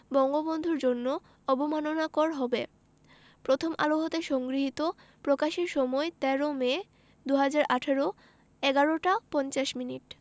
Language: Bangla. বঙ্গবন্ধুর জন্য অবমাননাকর হবে প্রথম আলো হতে সংগৃহীত প্রকাশের সময় ১৩ মে ২০১৮ ১১ টা ৫০ মিনিট